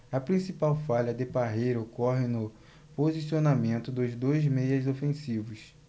a principal falha de parreira ocorre no posicionamento dos dois meias ofensivos